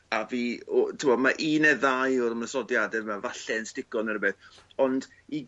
a fi o- t'mod ma' un neu ddau o'r ymosodiade fel falle yn stico ne' rwbeth. Ond i